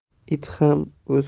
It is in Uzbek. it ham o'z